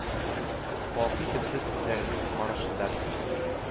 Балкый төпсез күзләренең карашында,